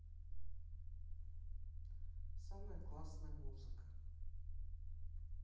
самая классная музыка